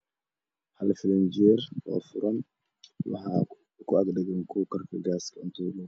Waa fariin jeer midabkiis yahay caddaan albaabka ayaa u furan